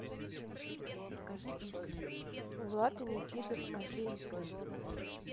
влад и никита смотреть